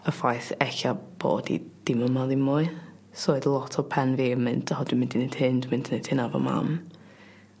y ffaith ella bod 'i dim yma ddim mwy. So oedd lot o pen fi yn mynd o dwi' mynd i neud hyn dwi mynd neud hynna efo mam.